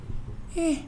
Ee